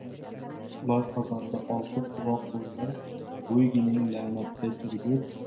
loy qozonga oltin tuvoq bo'lmay bo'yginang lahatda chirigur